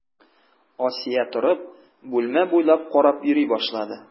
Асия торып, бүлмә буйлап карап йөри башлады.